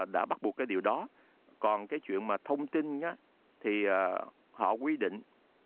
đã bắt buộc cái điều đó còn cái chuyện mà thông tin á thì họ quy định